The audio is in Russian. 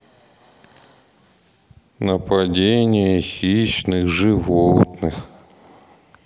нападение хищных животных